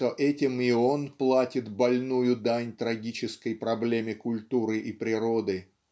что этим и он платит больную дань трагической проблеме культуры и природы.